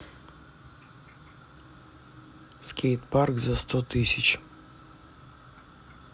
скейт парк за сто тысяч